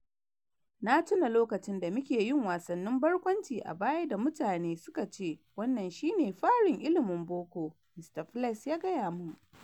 “Na tuna lokacinda muke yin wasannin barkwanci a baya da mutane suka ce, "wannan shi ne farin ilimin boko,"" Mr Fleiss ya gaya min.